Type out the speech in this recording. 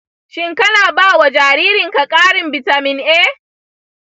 shin kana ba wa jaririnka ƙarin bitamin a?